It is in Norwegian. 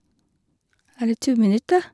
Er det to minutter?